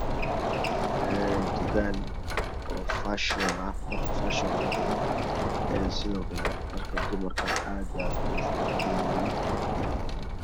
Een tukaan oo fashion ah dhar fashion lagu gado ee sidoo kale dharka dumarka aad iyo aad oogu fara badanyihiin